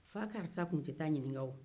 fa karisa tun tɛ taa ɲinika woo